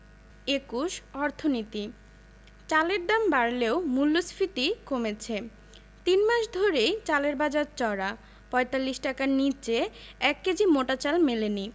২১ অর্থনীতি চালের দাম বাড়লেও মূল্যস্ফীতি কমেছে তিন মাস ধরেই চালের বাজার চড়া ৪৫ টাকার নিচে ১ কেজি মোটা চাল মেলেনি